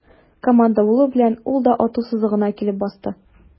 Команда булу белән, ул да ату сызыгына килеп басты.